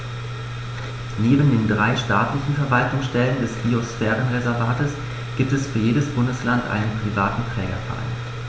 Neben den drei staatlichen Verwaltungsstellen des Biosphärenreservates gibt es für jedes Bundesland einen privaten Trägerverein.